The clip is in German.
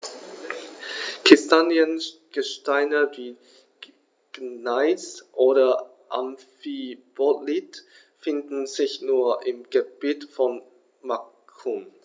Kristalline Gesteine wie Gneis oder Amphibolit finden sich nur im Gebiet von Macun.